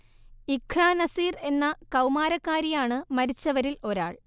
ഇഖ്ര നസീർ എന്ന കൗമാരക്കാരിയാണ് മരിച്ചവരിൽ ഒരാൾ